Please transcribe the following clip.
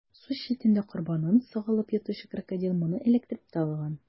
Су читендә корбанын сагалап ятучы Крокодил моны эләктереп тә алган.